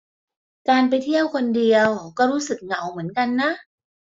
การไปเที่ยวคนเดียวก็รู้สึกเหงาเหมือนกันนะ